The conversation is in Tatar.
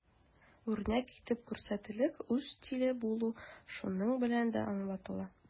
Үрнәк итеп күрсәтерлек үз стиле булу шуның белән дә аңлатыла.